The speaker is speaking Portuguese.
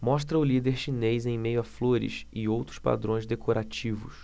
mostra o líder chinês em meio a flores e outros padrões decorativos